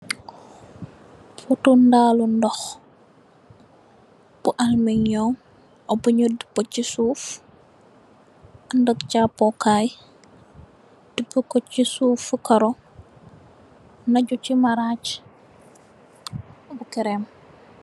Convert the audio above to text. Potu nan lu doh, bu arrmi yo bunu dëp ci suuf andag japokaay. Dëp ko ci suuf karo naju ci karo bu kèrem.